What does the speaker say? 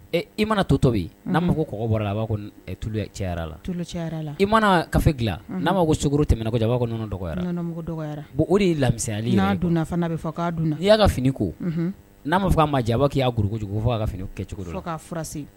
I mana to tobi yen n'a ma koɔgɔ bɔra la a b'a tuluyara la la i mana kafe dilan n'a ma sogoro tɛmɛna b'aɔnɔ dɔgɔyarayara o de ye lamisaya n'a donna bɛ i y'a ka fini ko n'a ma fɔ' a ma jaba'i'a guruku kojugu fo' ka fini kɛ cogo